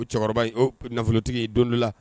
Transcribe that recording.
O cɛkɔrɔba nafolotigi don dɔ la